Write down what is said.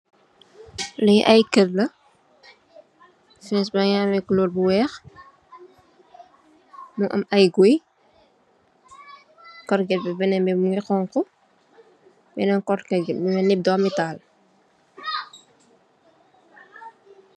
Lii aiiy kerr la, fence baangy ameh couleur bu wekh, mu am aiiy guiiy, corrgate bii benen bii mungy honhu, benen corrgate gui mu melni dormi taal.